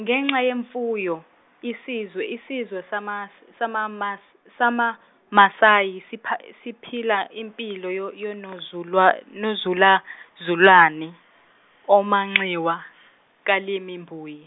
ngenxa yemfuyo, isizwe isizwe sama- samaMa- samaMasayi siph- siphila impilo yo- yonozulwa- yonozulazulane omanxiwa, kamili mbuyi.